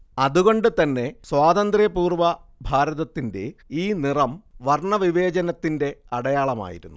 അതുകൊണ്ടുതന്നെ സ്വാന്ത്രപൂർവ്വ ഭാരതത്തിന്റെ ഈ നിറം വർണ്ണവിവേചനത്തിന്റെ അടയാളമായിരുന്നു